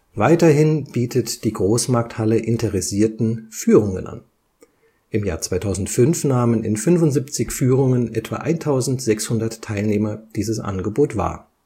Weiterhin bietet die Großmarkthalle Interessierten Führungen an. 2005 nahmen in 75 Führungen etwa 1600 Teilnehmer dieses Angebot wahr